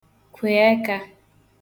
kwhē eka